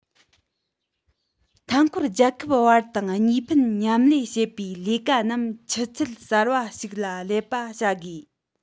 མཐའ སྐོར རྒྱལ ཁབ བར དང གཉིས ཕན མཉམ ལས བྱེད པའི ལས ཀ རྣམས ཆུ ཚད གསར པ ཞིག ལ སླེབས པ བྱ དགོས